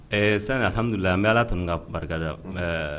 Ɛɛ sanhamududulila an bɛ ala tun ka barika dɛ